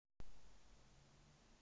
ничего не понимаешь старик